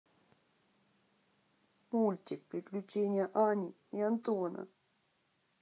мультик приключения ани и антона